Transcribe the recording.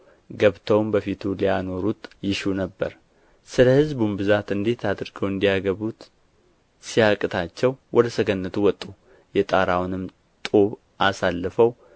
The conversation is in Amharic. ገብተውም በፊቱ ሊያኖሩት ይሹ ነበር ስለ ሕዝቡም ብዛት እንዴት አድርገው እንዲያገቡት ሲያቅታቸው ወደ ሰገነቱ ወጡ የጣራውንም ጡብ አሳልፈው